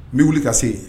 N b'i wuli ka se yen